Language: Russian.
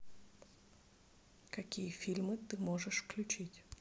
какие фильмы ты можешь включить